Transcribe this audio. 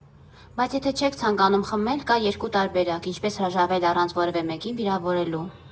Բայց եթե չեք ցանկանում խմել, կա երկու տարբերակ, ինչպես հրաժարվել առանց որևէ մեկին վիրավորելու։